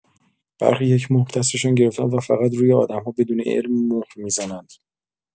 برخی یک مهر دستشان گرفته‌اند و فقط روی آدم‌ها بدون علم مهر می‌زنند.